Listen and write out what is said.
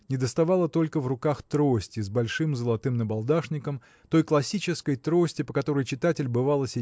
Недоставало только в руках трости с большим золотым набалдашником той классической трости по которой читатель бывало